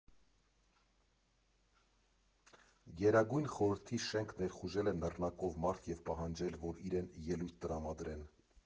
Գերագույն Խորհրդի շենք ներխուժել է նռնակով մարդ և պահանջել, որ իրեն ելույթ տրամադրեն։